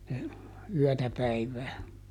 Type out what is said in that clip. ne yötä päivää